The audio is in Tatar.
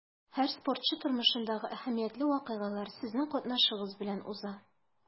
Һәр спортчы тормышындагы әһәмиятле вакыйгалар сезнең катнашыгыз белән уза.